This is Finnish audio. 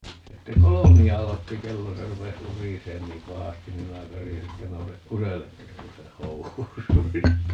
sitten kolmea aloitti kello se rupesi urisemaan niin pahasti niin minä karjaisin että nouse kuselle että et kuse housuihisi